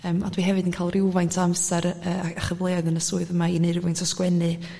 yym a dwi hefyd yn ca'l rywfaint o amsar yy a chyfleoedd yn y swydd yma i neu rywaint o sgwennu